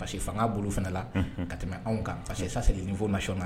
Parceque fanga bolu fana la ka tɛmɛ anw kan . parceque sa c'est le niveau national